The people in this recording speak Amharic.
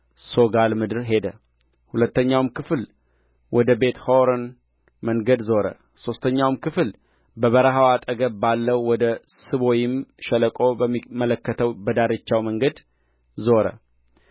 ሦጋል ምድር ሄደ ሁለተኛው ክፍል ወደ ቤት ሖሮን መንገድ ዞረ ሦስተኛውም ክፍል በበረሃው አጠገብ ባለው ወደ ስቦይም ሸለቆ በሚመለከተው በዳርቻ መንገድ ዞረ